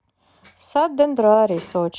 сад дендрарий сочи